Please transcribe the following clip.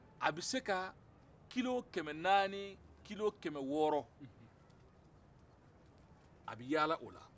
a bɛ se ka kilo kɛmɛ naani kilo kɛmɛ wɔɔrɔ a bɛ yala o la